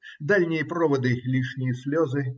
Дальние проводы - лишние слезы.